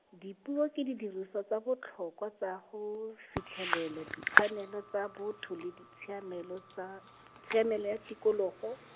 dipuo ke didiriswa tsa botlhokwa tsa go fitlhelela ditshwanelo tsa botho le tshiamelo tsa, tshiamelo tikologo.